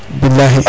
bilahi